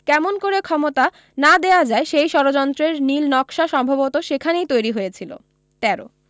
কেমন করে ক্ষমতা না দেয়া যায় সেই ষড়যন্ত্রের নীল নকশা সম্ভবত সেখানেই তৈরি হয়েছিল ১৩